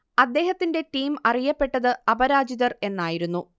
അദ്ദേഹത്തിന്റെ ടീം അറിയപ്പെട്ടത് അപരാജിതർ എന്നായിരുന്നു